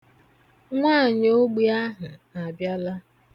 Nwaanyị ogbi ahụ abịala.